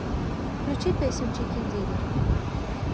включи песню чикен диннер